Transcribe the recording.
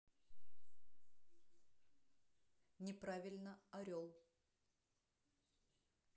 неправильно орел